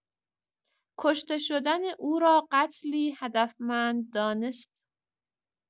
کشته شدن او را قتلی هدفمند دانست.